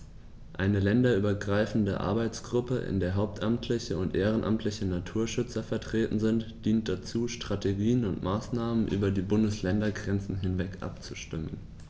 Eine länderübergreifende Arbeitsgruppe, in der hauptamtliche und ehrenamtliche Naturschützer vertreten sind, dient dazu, Strategien und Maßnahmen über die Bundesländergrenzen hinweg abzustimmen.